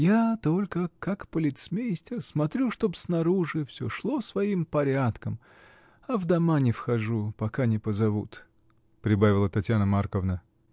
— Я только, как полициймейстер, смотрю, чтоб снаружи всё шло своим порядком, а в дома не вхожу, пока не позовут, — прибавила Татьяна Марковна.